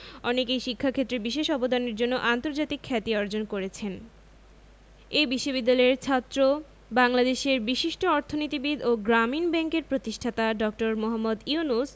অনেকেই শিক্ষাক্ষেত্রে বিশেষ অবদানের জন্য আন্তর্জাতিক খ্যাতি অর্জন করেছেন এ বিশ্ববিদ্যালয়েরই ছাত্র বাংলাদেশের বিশিষ্ট অর্থনীতিবিদ ও গ্রামীণ ব্যাংকের প্রতিষ্ঠাতা ড. মোহাম্মদ ইউনুস